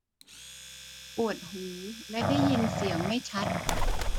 ปวดหูและได้ยินเสียงไม่ชัด